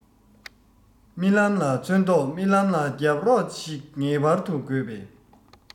རྨི ལམ ལ ཚོན མདོག རྨི ལམ ལ རྒྱབ རོགས ཤིག ངེས པར དུ དགོས པས